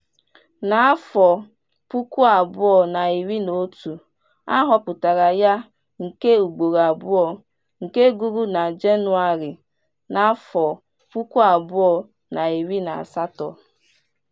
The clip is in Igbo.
Na 2011, a họpụtara ya nke ugboro abụọ, nke gwụrụ na Janụwarị 2018.